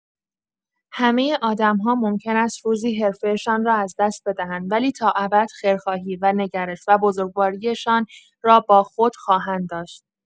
همه آدم‌ها ممکن است روزی حرفه‌شان را از دست بدهند ولی تا ابد خیرخواهی و نگرش و بزرگواری‌شان را با خود خواهند داشت.